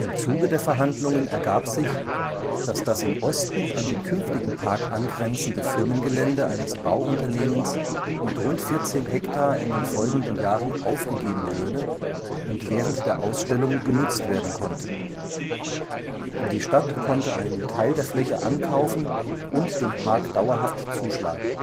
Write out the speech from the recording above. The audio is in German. Zuge der Verhandlungen ergab sich, dass das im Osten an den künftigen Park angrenzende Firmengelände eines Bauunternehmens mit rund 14 Hektar in den folgenden Jahren aufgegeben würde und während der Ausstellung genutzt werden konnte. Die Stadt konnte einen Teil der Fläche ankaufen und dem Park dauerhaft zuschlagen